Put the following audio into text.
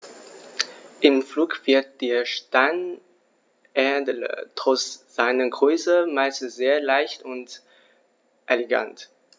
Im Flug wirkt der Steinadler trotz seiner Größe meist sehr leicht und elegant.